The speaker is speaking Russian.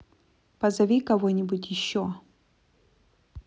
позови кого нибудь еще